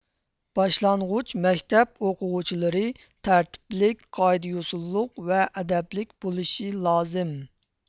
باشلانغۇچ مەكتەپ ئوقۇغۇچىلىرى تەرتىپلىك قائىدە يوسۇنلۇق ۋە ئەدەپلىك بولۇشى لازىم